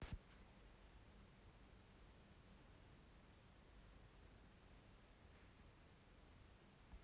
сильная команда против слабой команды